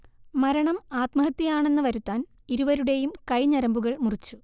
മരണം ആത്മഹത്യയാണെന്ന് വരുത്താൻ ഇരുവരുടെയും കൈഞരമ്പുകൾ മുറിച്ചു